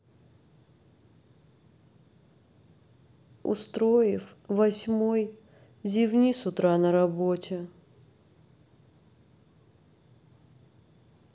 устроив восьмой зевни с утра на работе